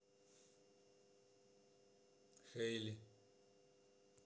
хейли